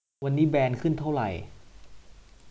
วันนี้แบรนด์ขึ้นเท่าไหร่